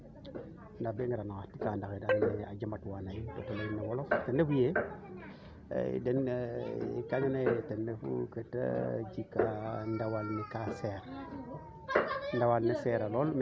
mbaa o xene de ka manaam ke kiinoxe fiya baa a jeg tig est ce que o kiina wa ley xaye ye ñeti caabo fe taxu ndetar a jeg kene mene Mbondie manam o leye a rend ange ñeti caabi ke